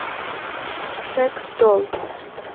секс дол